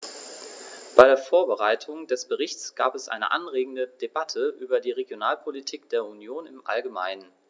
Bei der Vorbereitung des Berichts gab es eine anregende Debatte über die Regionalpolitik der Union im allgemeinen.